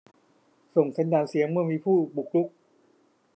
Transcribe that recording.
ส่งสัญญาณเสียงเมื่อมีผู้บุกรุก